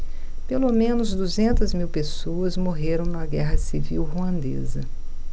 pelo menos duzentas mil pessoas morreram na guerra civil ruandesa